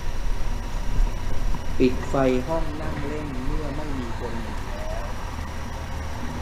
ปิดไฟห้องนั่งเล่นเมื่อไม่มีคนอยู่แล้ว